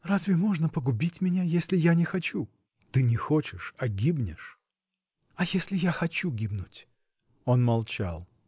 — Разве можно погубить меня, если я не хочу? — Ты не хочешь, а гибнешь. — А если я хочу гибнуть? Он молчал.